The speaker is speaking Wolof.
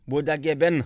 boo dagee benn